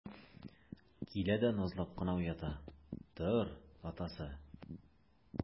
Килә дә назлап кына уята: - Тор, атасы!